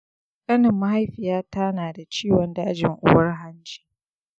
ƙanin mahaifiyata ya na da ciwon dajin uwar-hanji